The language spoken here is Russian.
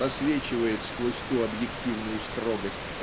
просвечивает сквозь ту объективную строгость